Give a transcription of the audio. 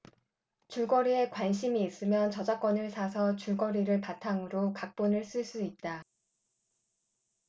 줄거리에 관심이 있으면 저작권을 사서 줄거리를 바탕으로 각본을 쓸 수 있다